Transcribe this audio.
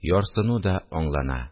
Ярсыну да аңлана